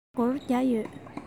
ང ལ སྒོར བརྒྱ ཡོད